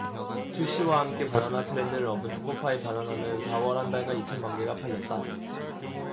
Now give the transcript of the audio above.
출시와 함께 바나나 트렌드를 업은 초코파이 바나나는 사 월 한 달간 이천 만개가 팔렸다